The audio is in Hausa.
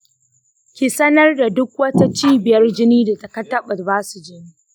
ki sanar da duk wata cibiyar jinin da ka taba basu jini.